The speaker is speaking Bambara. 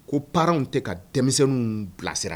Ko parents tɛ ka denmisɛnninw bilasira